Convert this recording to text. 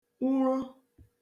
uṛo